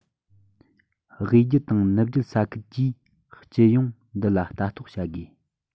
དབུས རྒྱུད དང ནུབ རྒྱུད ས ཁུལ གྱིས སྤྱི ཡོངས འདི ལ ལྟ རྟོག བྱ དགོས